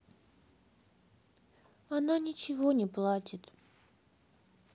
она ничего не платит